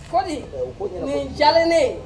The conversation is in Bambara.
Kodii ɔɔ o ko ɲɛnabɔli nin diyalennen ye